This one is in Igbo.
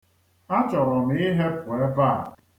A chọrọ m ịhepụ ebe a.